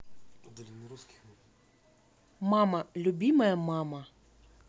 мама любимая мама